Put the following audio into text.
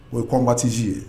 O ye kɔnbatisi ye